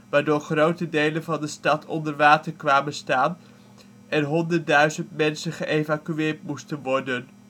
waardoor grote delen van de stad onder water kwamen te staan en honderdduizend mensen geëvacueerd moesten worden